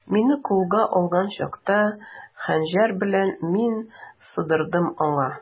Мине кулга алган чакта, хәнҗәр белән мин сыдырдым аңа.